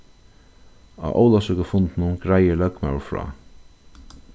á ólavsøkufundinum greiðir løgmaður frá